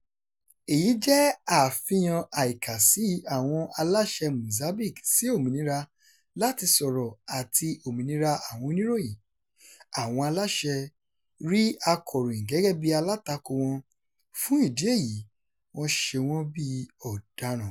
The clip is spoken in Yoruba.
Èyí jẹ́ àfihàn àìkàsí àwọn aláṣẹ Mozambique sí òmìnira láti sọ̀rọ̀ àti òmìnira àwọn oníròyìn... [àwọn aláṣẹ] rí akọ̀ròyìn gẹ́gẹ́ bí alátakò wọn [fún ìdí èyí] wọ́n ń ṣe wọ́n bí ọ̀daràn.